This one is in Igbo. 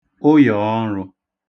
ụyọ̀ọṙụ̄